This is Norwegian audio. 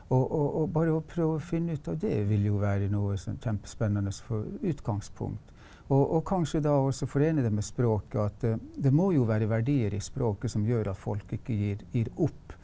og og og bare å prøve å finne ut av det ville jo være noe sånn kjempespennende for utgangspunkt og og kanskje da også forene det med språk at det det må jo være verdier i språket som gjør at folk ikke gir gir opp.